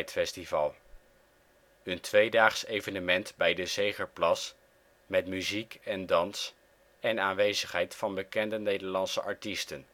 Festival: Een tweedaags evenement bij de Zegerplas met muziek en dans en aanwezigheid van bekende Nederlandse artiesten